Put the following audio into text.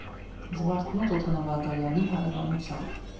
Զվարթնոց օդանավակայանի հարևանությամբ։